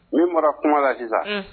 Min bɔra kuma la sisan unh